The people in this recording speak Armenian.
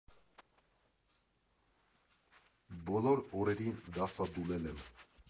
Բոլոր օրերին դասադուլել եմ.